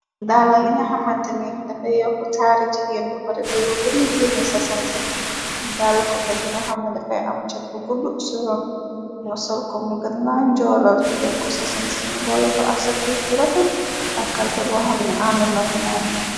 Dalla yi nga xamanta ni, dafay yoku taari jigeen, ba pare di gënna gënne sa sanse, ni dallu kokket bi nga xam ne dafay am car bu guddu, si ron, nga sol ko mu gën laa ñjoolal, yokk sa sanse nga boole ko ak sa piis bu rafet ak, kalpe boo xam ne ànda ak moom.